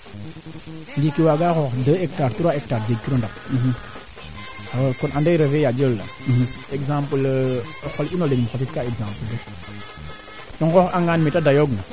o ga'a a aarake a ciiñ to o soɓ te naafel noo pare ande keeke machine ne ten uta tinu den peut etre doole of tolwee maaga pour o teeye in wala nee pisne siip taa to ara kene fop ko utatin kaa den